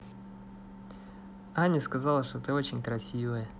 аня сказала что ты очень красивая